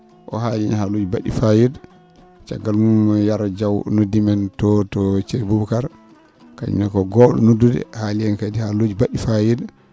o haali haalaaji mba??i fayida caggal mum Yero Diaw noddi men to to Thiehe Boubacara kañumne ko gow?o noddude haali heen kadi haalaaji mba??i fayida